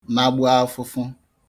nagbu afụfụ